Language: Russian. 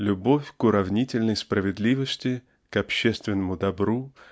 любовь к уравнительной справедливости к общественному добру